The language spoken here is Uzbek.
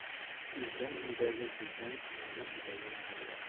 ulkan uydagi kulsa kichkina uydagi yig'lar